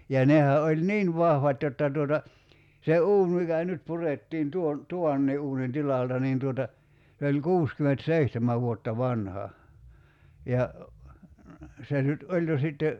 ja nehän oli niin vahvat jotta tuota se uuni mikä nyt purettiin tuon tuvankin uunin tilalta niin tuota se oli kuusikymmentäseitsemän vuotta vanha ja se nyt oli jo sitten